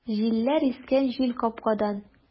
Җилләр искән җилкапкадан!